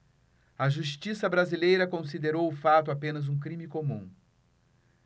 a justiça brasileira considerou o fato apenas um crime comum